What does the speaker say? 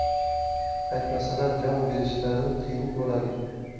aytmasalar jon berishlari qiyin bo'ladi